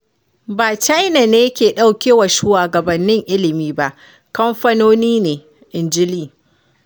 “Ba China ne ke ɗaukewa shugabannin ilmi ba; kamfanoni ne,” inji Lee.